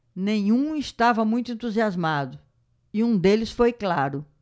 nenhum estava muito entusiasmado e um deles foi claro